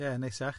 Ie, neisiach.